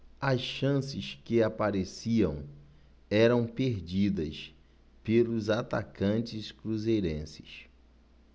as chances que apareciam eram perdidas pelos atacantes cruzeirenses